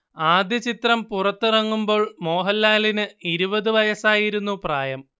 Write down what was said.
ആദ്യ ചിത്രം പുറത്തിറങ്ങുമ്പോൾ മോഹൻലാലിന് ഇരുപത് വയസ്സായിരുന്നു പ്രായം